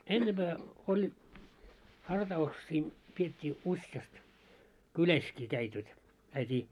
ennempää oli hartauksia pidettiin useasti kylässäkin kävivät jotta käytiin